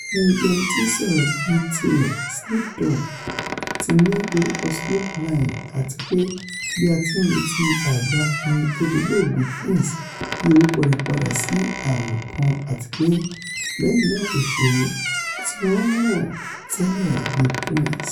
Akọrinbíẹnití-ń-sọ̀rọ̀ bí tirẹ̀, Snoop Dogg ti ní orúkọ Snoop Lion àtipe bí a ti ńretí àgbà akọrin tódi olóògbé Prince, yí orúkọ rẹ̵̀ padà sí àmì kan àtipé lẹ́yìn náà òṣèré tíwọn mọ̀ tẹ́lẹ̀ bíi Prince.